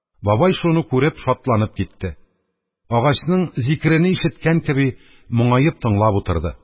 Бабай, шуны күреп, шатланып китте; агачның зикерене ишеткән кеби, моңаеп тыңлап утырды.